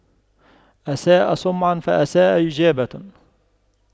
أساء سمعاً فأساء إجابة